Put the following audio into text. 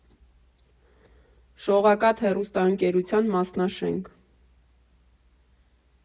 «Շողակաթ» հեռուստաընկերության մասնաշենք։